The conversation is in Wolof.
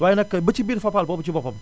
waaye nag ba ci biir Fapal boobu ci boppam